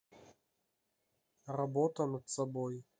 работа над собой